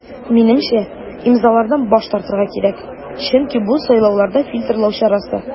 Минемчә, имзалардан баш тартырга кирәк, чөнки бу сайлауларда фильтрлау чарасы.